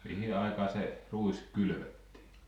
mihin aikaan se ruis kylvettiin